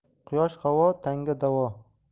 quyosh havo tanga davo